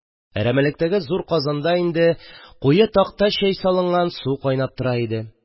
Әрәмәлектәге зур казанда инде куе такта чәй салынган су кайнап тора иде.